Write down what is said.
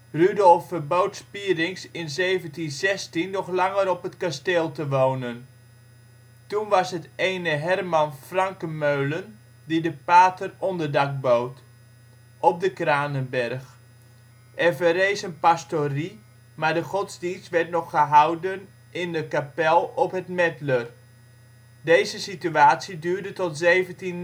Rudolf verbood Spirinx in 1716 nog langer op het kasteel te wonen. Toen was het ene Herman Franckenmeulen die de pater onderdak bood, op den Kranenberg. Er verrees een pastorie, maar de godsdienst werd nog gehouden in de kapel op het Medler. Deze situatie duurde tot 1719